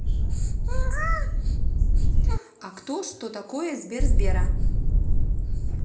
а кто что такое сбер сбера